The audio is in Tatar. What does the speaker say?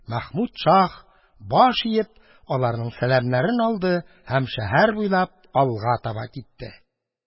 Мәхмүд шаһ, баш иеп, аларның сәламнәрен алды һәм шәһәр буйлап алга таба китте.